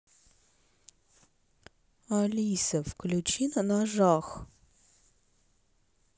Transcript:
алиса включи на ножах